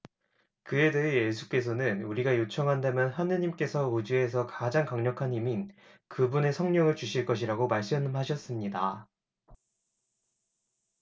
그에 더해 예수께서는 우리가 요청한다면 하느님께서 우주에서 가장 강력한 힘인 그분의 성령을 주실 것이라고 말씀하셨습니다